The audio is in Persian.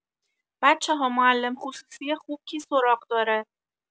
بچه‌ها معلم‌خصوصی خوب کی سراغ داره؟